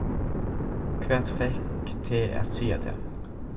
hvat fekk teg at siga tað